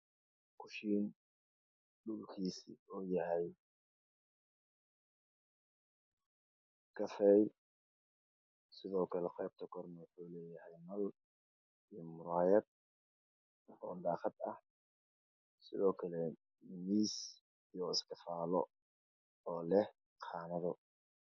Kushiin dhulkiisu uu yahay kafeey sidoo kale qeybta Korena wuxuu leeyahay nal iyo muraayad oo daaqad ah sidoo kale miis iyo iskifaalo oo leh qaanado